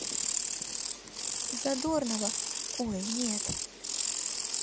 задорнова ой нет